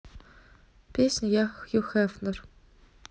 песня я хью хафнер